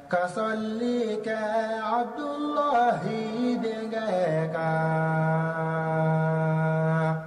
Ka sabali kɛ a don h denkɛ kɛ ka